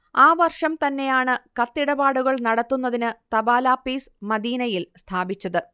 ആ വർഷം തന്നെയാണ് കത്തിടപാടുകൾ നടത്തുന്നതിനു തപാലാപ്പീസ് മദീനയിൽ സ്ഥാപിച്ചത്